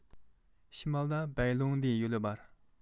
شىمالدا بەيلوڭدۇي يولى بار